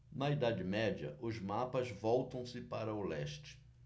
na idade média os mapas voltam-se para o leste